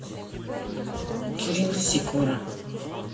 кирилл сикора